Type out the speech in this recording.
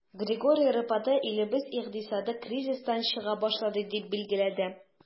Григорий Рапота, илебез икътисады кризистан чыга башлады, дип билгеләде.